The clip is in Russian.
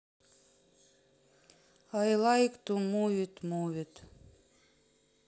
ай лайк ту мувед мувед